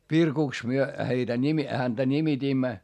Virkuksi me heitä - häntä nimitimme